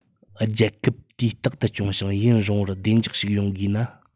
རྒྱལ ཁབ དུས རྟག ཏུ སྐྱོང ཞིང ཡུན རིང པོར བདེ འཇགས ཤིག ཡོང དགོས ན